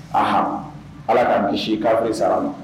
Aan ala k'a di si k'fe sara ma